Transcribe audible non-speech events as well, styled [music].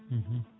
[hesitation] [hesitation]